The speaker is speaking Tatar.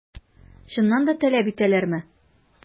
Чыннан да таләп итәләрме?